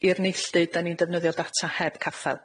i'r neilldu, 'dan ni'n defnyddio data heb caffael.